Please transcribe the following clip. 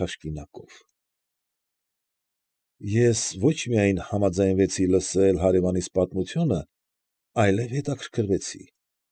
Թաշկինակով։ Ես ոչ միայն համաձայնվեցի լսել հարևանիս պատմությունը, այլև հետաքրքրվեցի։